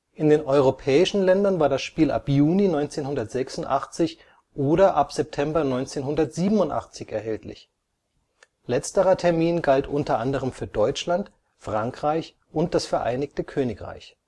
In den europäischen Ländern war das Spiel ab Juni 1986 oder ab September 1987 erhältlich; letzterer Termin galt unter anderem für Deutschland, Frankreich und das Vereinigte Königreich